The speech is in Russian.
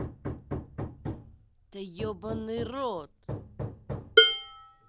доебанный рот